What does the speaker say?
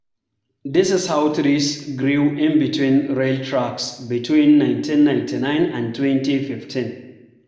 This is how trees grew in-between rail tracks between 1999 and 2015...